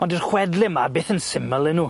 Ond dyw'r chwedle 'ma byth yn syml 'yn nw?